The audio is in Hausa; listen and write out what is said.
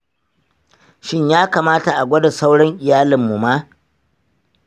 shin yakamata a gwada sauran iyalinmu ma?